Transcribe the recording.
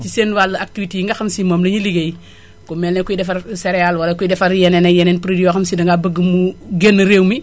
si seen wàllu activité yi nga xam si moom la ñuy liggéey ku mel ne kuy defar céréale wala kuy defar yeneen ak yeneen produit yoo xam si ne dangaa bëgg mu gñn réew mi